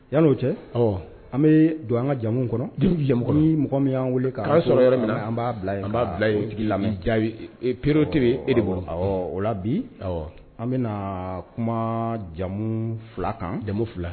Yann'o cɛ; Awɔ; An bɛ don an ka jamu kɔnɔ, ni mɔgɔ min y'an wele k'an sɔrɔ yɔrɔ min na an b'a bila yen, k'o tigi lamɛ; jaabi,e priorité bɛ e de bolo; Awɔ; O la bi; awɔ, an bɛna kuma jamu 2 kan, jamu 2.